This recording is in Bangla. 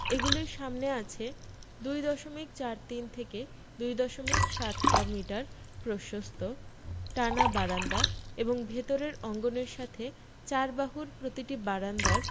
এগুলির সামনে আছে ২ দশমিক চার তিন থেকে ২ দশমিক সাত চার মিটার প্রশস্ত টানা বারান্দা এবং ভেতরের অঙ্গনের সাথে চারবাহুর প্রতিটি বারান্দার